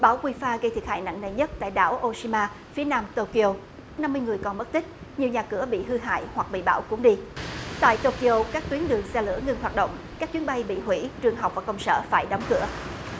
bão guây pha gây thiệt hại nặng nề nhất tại đảo ô si ma phía nam tô ki ô năm mươi người còn mất tích nhiều nhà cửa bị hư hại hoặc bị bão cuốn đi tại tô ki ô các tuyến đường xe lửa ngưng hoạt động các chuyến bay bị hủy trường học và công sở phải đóng cửa